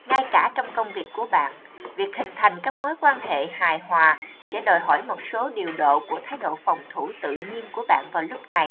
ngay cả trong công việc của bạn việc hình thành các mối quan hệ hài hòa sẽ đòi hỏi một số điều độ của thái độ phòng thủ tự nhiên của bạn vào lúc này